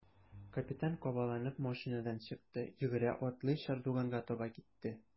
Капитан кабаланып машинадан чыкты, йөгерә-атлый чардуганга таба китте.